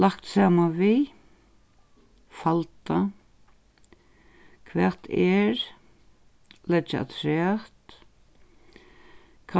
lagt saman við falda hvat er leggja afturat